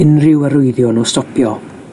unrhyw arwyddion o stopio.